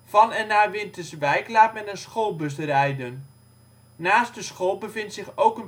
Van en naar Winterswijk laat men een schoolbus rijden. Naast de school bevindt zich ook